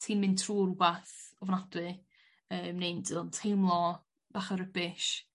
ti'n mynd trw' rwbath ofnadwy yy neu'n d- yn teimlo bach o rubbish.